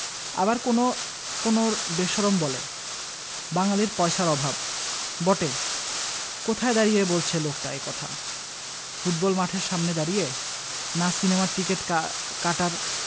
আবার কোনো কোনো বেশরম বলে বাঙালীর পয়সার অভাব বটে কোথায় দাঁড়িয়ে বলছে লোকটা এ কথা ফুটবল মাঠের সামনে দাঁড়িয়ে না সিনেমার টিকিট কাটার